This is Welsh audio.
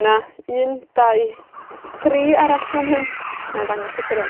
'na un, dau, tri arall fan hyn, 'nai ddangos i chi rŵan.